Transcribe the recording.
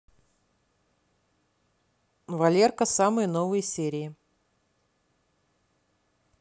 валерка самые новые серии